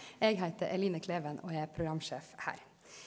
eg heiter Eline Kleven og er programsjef her.